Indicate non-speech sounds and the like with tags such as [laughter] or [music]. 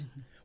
[hesitation] [hesitation]